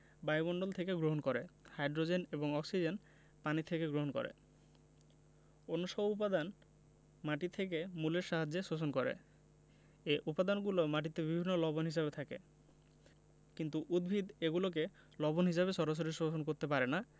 বায়ুমণ্ডল থেকে গ্রহণ করে হাই্ড্রোজেন এবং অক্সিজেন পানি থেকে গ্রহণ করে অন্যসব উপাদান মাটি থেকে মূলের সাহায্যে শোষণ করে এ উপাদানগুলো মাটিতে বিভিন্ন লবণ হিসেবে থাকে কিন্তু উদ্ভিদ এগুলোকে লবণ হিসেবে সরাসরি শোষণ করতে পারে না